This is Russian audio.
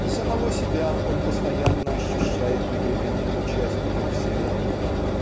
И самого себя он постоянно ощущает непременным участником вселенной.